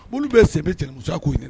Olu bɛ sɛbe cɛ musa' ɲini